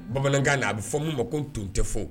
Bamanankan na a bɛ fɔ n' ma ko ton tɛ fɔ